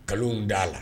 Kalo d a la